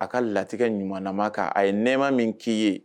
A ka latigɛ ɲuman nama kan a ye nɛma min k'i ye